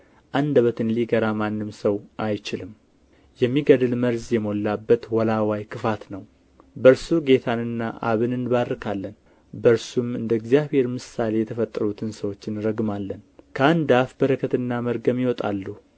አንደበትን ሊገራ ማንም ሰው አይችልም የሚገድል መርዝ የሞላበት ወላዋይ ክፋት ነው በእርሱ ጌታንና አብን እንባርካለን በእርሱም እንደ እግዚአብሔር ምሳሌ የተፈጠሩትን ሰዎች እንረግማለን ከአንድ አፍ በረከትና መርገም ይወጣሉ